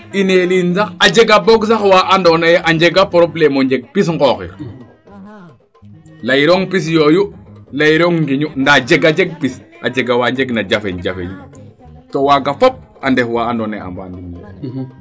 ine liir sax a jega boog sax waa ando naye a njega probleme o njeg pis ŋoxir leyirong pis yooyu leyirong ngiñu ndaa jega jeg pis a jega waa njeg na jafe jafe to waaga fop a ndef waa ando naye a mbaa ndimle er